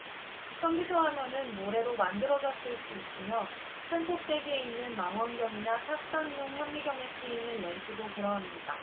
컴퓨터 화면은 모래로 만들어졌을 수 있으며 산꼭대기에 있는 망원경이나 탁상용 현미경에 쓰이는 렌즈도 그러합니다